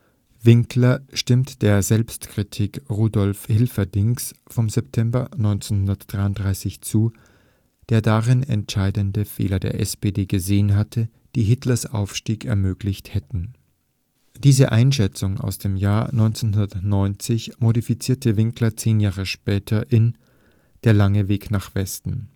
Winkler stimmt der Selbstkritik Rudolf Hilferdings vom September 1933 zu, der darin entscheidende Fehler der SPD gesehen hatte, die Hitlers Aufstieg ermöglicht hätten. Diese Einschätzung aus dem Jahr 1990 modifizierte Winkler zehn Jahre später in Der lange Weg nach Westen